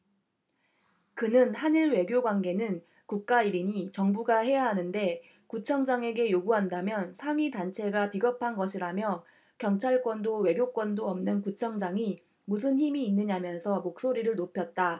그는 한 일 외교관계는 국가일이니 정부가 해야하는데 구청장에게 요구한다면 상위 단체가 비겁한 것이라며 경찰권도 외교권도 없는 구청장이 무슨 힘이 있느냐면서 목소리를 높였다